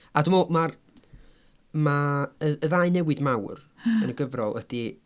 A dwi'n meddwl mae'r ma' yy y ddau newid mawr... ia ...yn y gyfrol ydy...